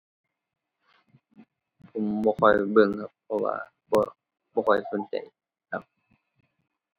ผมบ่ค่อยเบิ่งครับ เพราะว่าบ่ บ่ค่อยสนใจครับ